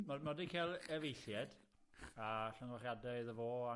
Ma' ma' 'di ca'l efeilliad, a llongyfarchiadau iddo fo, a...